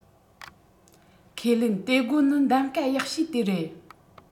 ཁས ལེན ཏིའོ སྒོ ནི གདམ ཁ ཡག ཤོས དེ རེད